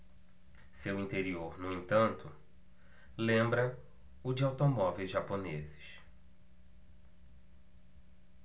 seu interior no entanto lembra o de automóveis japoneses